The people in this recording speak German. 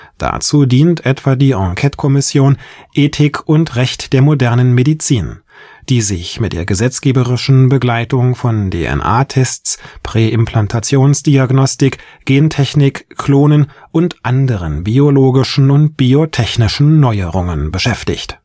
Dazu dient etwa die Enquête-Kommission „ Ethik und Recht der modernen Medizin “, die sich mit der gesetzgeberischen Begleitung von DNA-Tests, Präimplantationsdiagnostik, Gentechnik, Klonen und anderen biologischen und biotechnischen Neuerungen beschäftigt